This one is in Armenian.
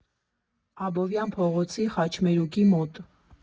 Աբովյան փողոցի խաչմերուկի մոտ։